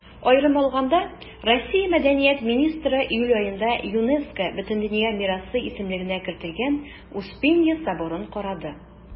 Аерым алганда, Россия Мәдәният министры июль аенда ЮНЕСКО Бөтендөнья мирасы исемлегенә кертелгән Успенья соборын карады.